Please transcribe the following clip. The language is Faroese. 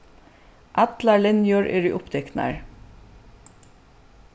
allar linjur eru upptiknar